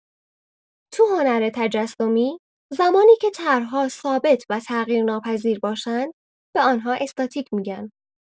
تو هنر تجسمی، زمانی که طرح‌ها ثابت و تغییرناپذیر باشند، به آن‌ها استاتیک می‌گن.